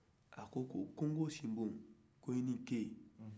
a ko ko kungo sinbo ko e ni ce